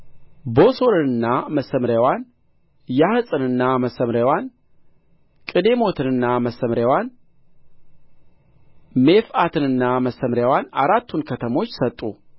ቦሶርንና መሰምርያዋን ያሀጽንና መሰምርያዋን ቅዴሞትንና መሰምርያዋን ሜፍዓትንና መሰምርያዋን አራቱን ከተሞች ሰጡ